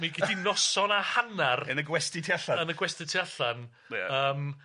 Mi gei di noson a hannar... Yn y gwesty tu allan. ...yn y gwesty tu allan. Ia. Yym.